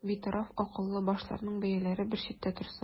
Битараф акыллы башларның бәяләре бер читтә торсын.